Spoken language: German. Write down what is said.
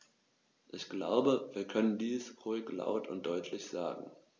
Ich glaube, wir können dies ruhig laut und deutlich sagen.